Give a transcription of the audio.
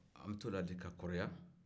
an bɛ t'o la de ka kɔrɔya